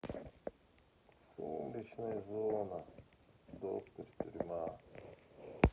сумеречная зона доктор тюрьма